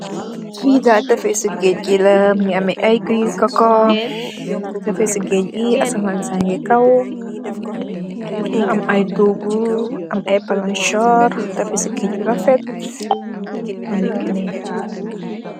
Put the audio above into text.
Fii daal tefesi geege gi la, mu ngi am ay guy i koko. Tefesi geege gi, asamaan sa ngee taw, nga am ay toogu, am ay palasoor, tefesi geege gi rafet, moo neekë nii